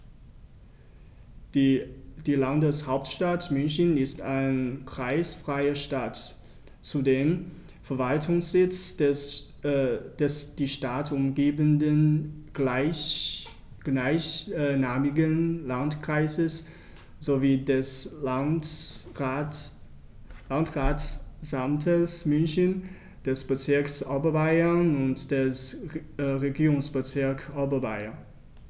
Die Landeshauptstadt München ist eine kreisfreie Stadt, zudem Verwaltungssitz des die Stadt umgebenden gleichnamigen Landkreises sowie des Landratsamtes München, des Bezirks Oberbayern und des Regierungsbezirks Oberbayern.